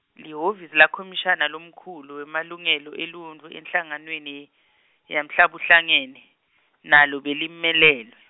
lihhovisi lakhomishina lomkhulu wemalungelo eluntfu enhlanganweni, ye- yamhlabuhlangene, nalo belimelelwe.